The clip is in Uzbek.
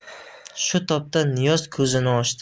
shu topda niyoz ko'zini ochdi